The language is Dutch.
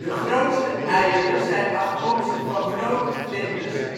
grootste eieren zijn afkomstig van grote vlinders